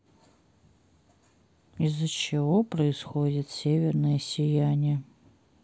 из за чего происходит северное сияние